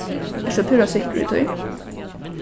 ert tú púra sikkur í tí